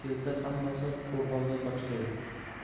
kelsa hammasi qo'rg'onga qochgay